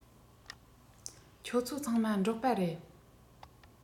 ཁྱོད ཚོ ཚང མ འབྲོག པ རེད